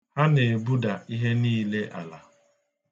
Ha na-ebuda ihe niile n'ala.